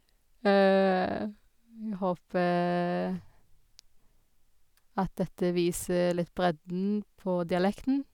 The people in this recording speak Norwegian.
Jeg håper at dette viser litt bredden på dialekten.